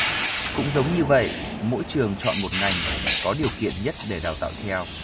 cũng giống như vậy mỗi trường chọn một ngành có điều kiện nhất để đào tạo theo